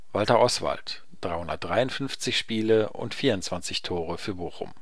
Walter Oswald, 353 Spiele und 24 Tore für Bochum